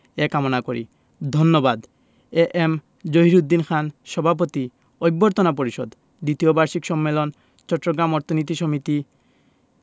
এ কামনা করি ধন্যবাদ এ এম জহিরুদ্দিন খান সভাপতি অভ্যর্থনা পরিষদ দ্বিতীয় বার্ষিক সম্মেলন চট্টগ্রাম অর্থনীতি সমিতি